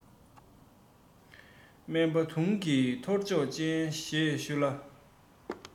སྨན པ དུང གི ཐོར ཅོག ཅན ཞེས ཞུ ལ